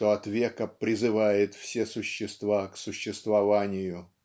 что от века призывает все существа к существованию".